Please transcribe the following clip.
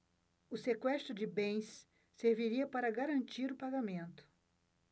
o sequestro de bens serviria para garantir o pagamento